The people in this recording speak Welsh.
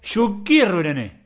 Siwgr wedyn 'ny...